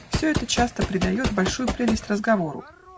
Все это часто придает Большую прелесть разговору.